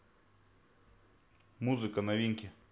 музыка новинки